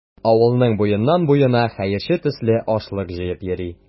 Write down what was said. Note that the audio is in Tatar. Авылның буеннан-буена хәерче төсле ашлык җыеп йөри.